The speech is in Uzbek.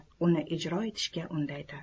uni ijro etishga undaydi